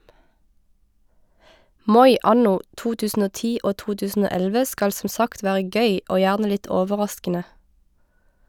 Moi anno 2010 og 2011 skal som sagt være gøy, og gjerne litt overraskende.